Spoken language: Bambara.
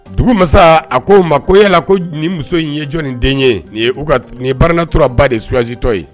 Dugu masa a ko ma ko e la ko nin muso in ye jɔn nin den ye nin u ka nin baturaba de suugansitɔ ye